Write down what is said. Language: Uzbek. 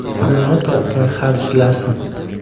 pulni topgan xarjlasin